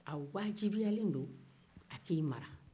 a wajibiyalen do a k'i mara